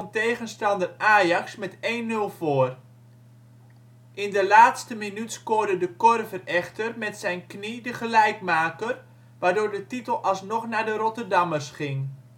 tegenstander Ajax met 1-0 voor. In de laatste minuut scoorde De Korver echter met zijn knie de gelijkmaker, waardoor de titel alsnog naar de Rotterdammers ging